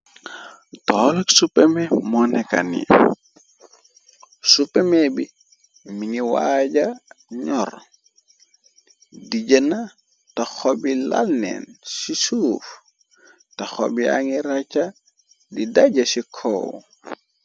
Tooli supame moo neka nii. Supeme bi mu ngi waaja ñor, di jëna te xobi lalneeñ si suuf, te xob yaa ngee raca di dajee si kow.